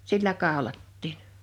sillä kaulattiin